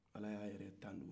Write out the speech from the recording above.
ala ya yɛrɛ tanu